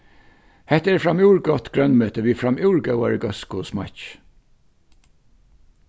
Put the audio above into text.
hetta er framúr gott grønmeti við framúr góðari góðsku og smakki